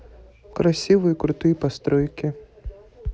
красивые крутые постройки